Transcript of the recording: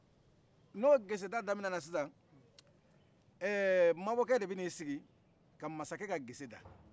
n'o geseda daminɛ sisan mabɔkɛ de bɛ i sigi ka masakɛ ka geseda